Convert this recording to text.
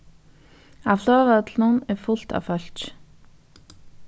á flogvøllinum er fult av fólki